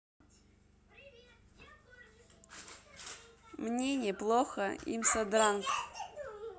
мне не плохо imsodrunk